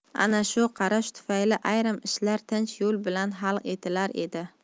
ana shu qarash tufayli ayrim ishlar tinch yo'l bilan hal etilar edi